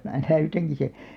minä näytänkin sen